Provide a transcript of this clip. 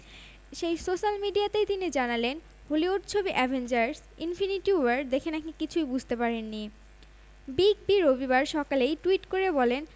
সেই সোশ্যাল মিডিয়াতেই তিনি জানালেন হলিউড ছবি অ্যাভেঞ্জার্স ইনফিনিটি ওয়ার দেখে নাকি কিছুই বুঝতে পারেননি বিগ বি রবিবার সকালেই টুইট করে বলেন